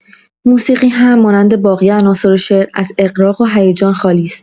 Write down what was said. موسیقی هم مانند باقی عناصر شعر، از اغراق و هیجان خالی است.